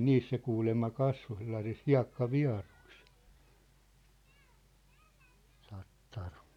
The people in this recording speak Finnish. niin se kuulemma kasvoi sellaisissa hiekkavieruissa tattari